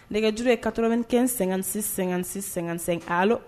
Nɛgɛjuru ye 95 56 56 55 allo